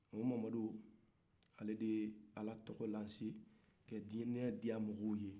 o mamadu ala tɔgɔ la se ka dinɛ diya mɔgɔw ye